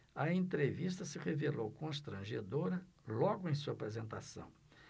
a entrevista se revelou constrangedora logo em sua apresentação